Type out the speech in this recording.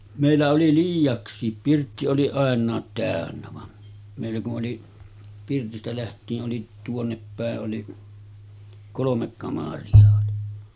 meillä oli liiaksi pirtti oli ainakin täynnä vaan meillä kun oli pirtistä lähtien oli tuonnepäin oli kolme kamaria oli